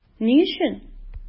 Ни өчен?